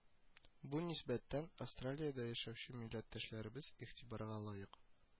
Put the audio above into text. Бу нисбәттән Австралиядә яшәүче милләттәшләребез игътибарга лаек